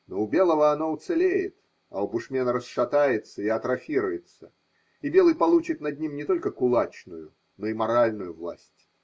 но у белого оно уцелеет, а у бушмена расшатается и атрофируется, и белый получит над ним не только кулачную, но и моральную власть.